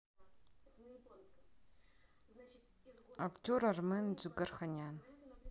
актер армен джигарханян